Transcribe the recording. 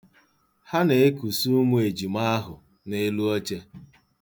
Ha na-ekusa ụmụ ejima ahụ n'elu oche.